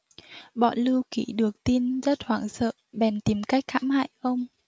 bọn lư kỉ được tin rất hoảng sợ bèn tìm cách hãm hại ông